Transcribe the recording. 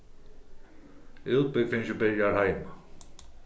útbúgvingin byrjar heima